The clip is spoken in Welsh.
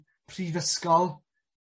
Prifysgol.